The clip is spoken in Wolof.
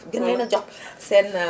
gën leen a jox seen fit